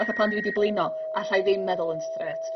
Fatha pan dw i 'di blino alla i ddim meddwl yn strêt.